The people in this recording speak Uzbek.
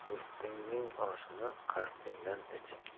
do'stingning oshini qasdingdan ich